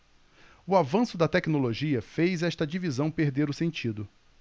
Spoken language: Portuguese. o avanço da tecnologia fez esta divisão perder o sentido